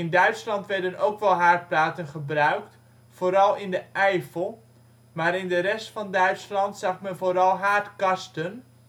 Duitsland werden ook wel haardplaten gebruikt, vooral in de Eifel, maar in de rest van Duitsland zag men vooral haardkasten